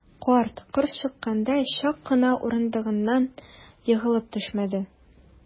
Карт, корт чаккандай, чак кына урындыгыннан егылып төшмәде.